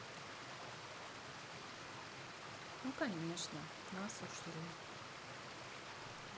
ну конечно нас ушли